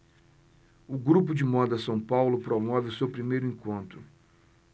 o grupo de moda são paulo promove o seu primeiro encontro